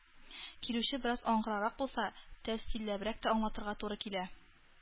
Килүче бераз аңгырарак булса, тәфсилләбрәк тә аңлатырга туры килә.